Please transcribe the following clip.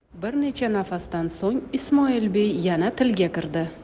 bir necha nafasdan so'ng ismoilbey yana tilga kirdi